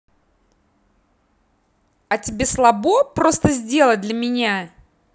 а тебе слабо просто сделать для меня